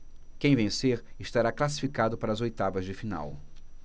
quem vencer estará classificado para as oitavas de final